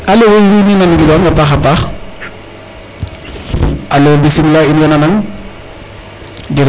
alo in way nangilwang a a paax a paax alo bismila in way nanang.